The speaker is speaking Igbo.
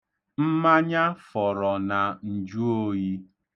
Mmanya fọrọ na njụoyi.